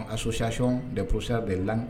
A sososatiɔn de psisa del